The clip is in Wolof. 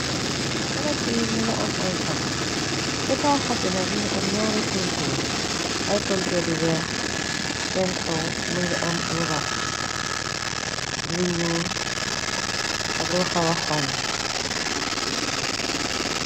Garab bi mi ngi am ay xop, ci kaw xopyi nag mingi am ñaari tontuur ay tontuur yi weex seen kaw më ngi am lu rax lunuul ak lu xawa xonxo.